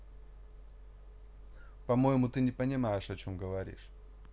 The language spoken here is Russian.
по моему ты не понимаешь о чем говоришь